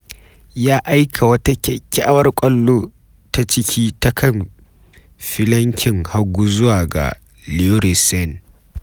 Ya aika wata kyakkyawar ƙwallo ta ciki ta kan filankin hagun zuwa ga Leroy Sane.